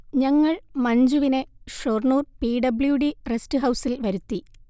ഞങ്ങൾ മഞ്ജുവിനെ Shoranur P W D റെസ്റ്റ്ഹൗസിൽ വരുത്തി